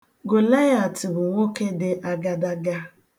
Golịat bụ nwoke dị agadaga.